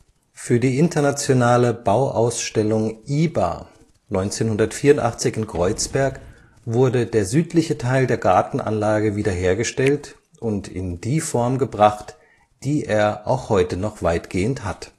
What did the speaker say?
Für die Internationale Bauausstellung 1984 (IBA) in Kreuzberg wurde der südliche Teil der Gartenanlage wiederhergestellt und in die Form gebracht, die er auch heute noch weitgehend hat